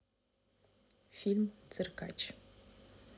фильм циркач